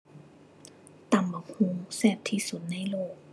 ตำบักหุ่งแซ่บที่สุดในโลก